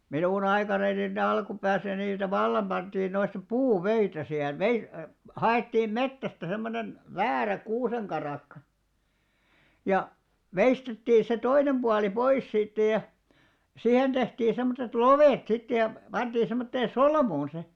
minun aikanani ne alkupäässä niitä vallan pantiin noista puuvöitä siihen - haettiin metsästä semmoinen väärä kuusenkarakka ja veistettiin se toinen puoli pois siitä ja siihen tehtiin semmoiset lovet sitten ja pantiin semmoiseen solmuun se